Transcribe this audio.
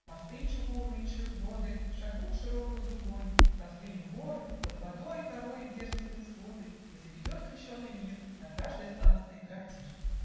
Мосты чугунные чрез воды Шагнут широкою дугой, Раздвинем горы, под водой Пророем дерзостные своды, И заведет крещеный мир На каждой станции трактир.